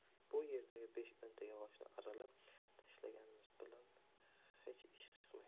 bu yerdagi besh o'nta yog'ochni arralab tashlaganimiz bilan hech ish chiqmaydi